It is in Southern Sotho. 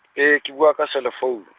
ee ke bua ka selefounu.